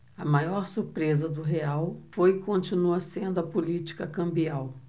a maior surpresa do real foi e continua sendo a política cambial